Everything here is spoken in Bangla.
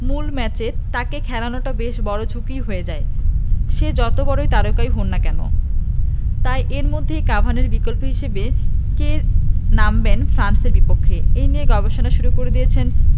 মূল ম্যাচে তাঁকে খেলানোটা বেশ বড় ঝুঁকিই হয়ে যায় সে যত বড় তারকাই হোন না কেন তাই এর মধ্যেই কাভানির বিকল্প হিসেবে কে নামবেন ফ্রান্সের বিপক্ষে এই নিয়ে গবেষণা শুরু করে দিয়েছেন